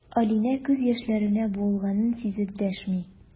Алинә күз яшьләренә буылганын сизеп дәшми.